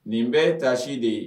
Nin bɛɛ ye tasi de ye.